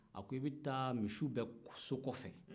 a ko i bɛ ta misiw bɛ so kɔfɛ